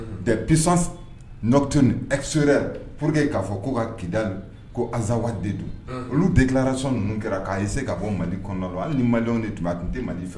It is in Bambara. Des puissances nocturnes extérieures pour que k'a fɔ ko Kidal, azawadi de don, olu déclaration ninnu kɛra k'aessayé k'a bɔ Mali kɔnɔ hali ni malidenw de tun don a tun tɛ Mali fɛ